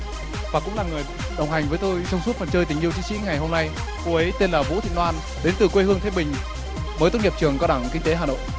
và cũng là người đồng hành với tôi trong suốt phần chơi tình yêu chiến sĩ ngày hôm nay cô ấy tên là vũ thị loan đến từ quê hương thái bình mới tốt nghiệp trường cao đẳng kinh tế hà nội